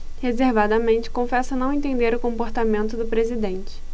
reservadamente confessa não entender o comportamento do presidente